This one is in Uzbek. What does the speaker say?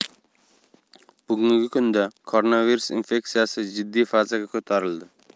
bugungi kunda koronavirus infeksiyasi jiddiy fazaga ko'tarildi